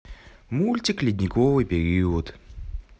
мультик ледниковый период